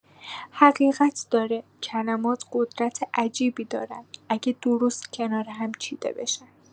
حقیقت داره، کلمات قدرت عجیبی دارن، اگه درست کنار هم چیده بشن.